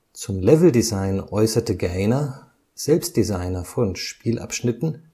Zum Leveldesign äußerte Gaynor, selbst Designer von Spielabschnitten